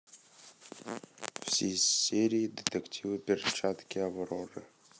все серии детектива перчатка авроры